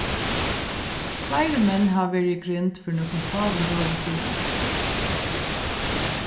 fleiri menn hava verið í grind fyri nøkrum fáum døgum síðani